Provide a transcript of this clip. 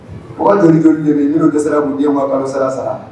Min n'o ka sera' wa a bɛ sera sara